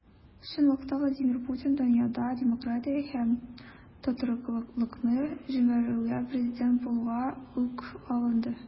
Чынлыкта Владимир Путин дөньяда демократия һәм тотрыклылыкны җимерүгә президент булуга ук алынды.